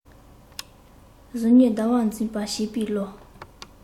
གཟུགས བརྙན ཟླ བར འཛིན པ བྱིས པའི བློ